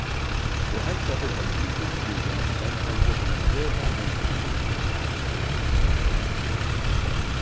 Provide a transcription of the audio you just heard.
og hetta er eingin illgiting men ein dokumenterað hending